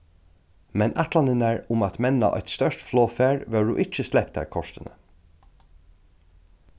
men ætlanirnar um at menna eitt stórt flogfar vórðu ikki sleptar kortini